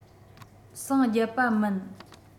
ཟིང རྒྱབ པ མིན